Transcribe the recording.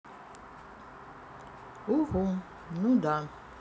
угу ну да